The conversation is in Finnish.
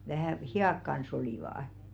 vähän hihat kanssa olivat